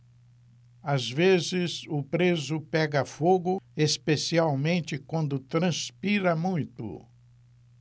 às vezes o preso pega fogo especialmente quando transpira muito